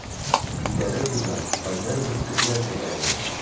Битләре буйлап кайнар бөртекләр тәгәрәде.